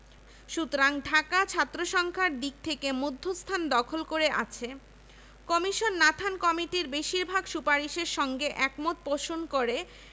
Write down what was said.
ঢাকা বিশ্ববিদ্যালয় বিলটির খসড়া সিনেটের সম্মতি লাভ করে ১৯২০ সালের ১২ ফেব্রুয়ারি ভারতীয় আইনসভায় ঢাকা বিশ্ববিদ্যালয় বিল সিলেক্ট কমিটিতে